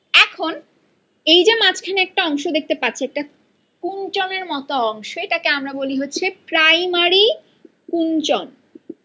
এখন এ যে মাঝখানে একটা অংশ দেখতে পাচ্ছ কুঞ্চন এর মত অংশ এটাকে আমরা বলি হচ্ছে প্রাইমারি কুঞ্চন